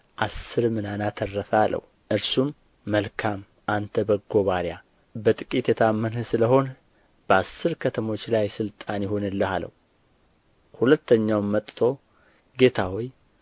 አሥር ምናን አተረፈ አለው እርሱም መልካም አንተ በጎ ባሪያ በጥቂት የታመንህ ስለ ሆንህ በአሥር ከተማዎች ላይ ሥልጣን ይሁንልህ አለው ሁለተኛውም መጥቶ ጌታ ሆይ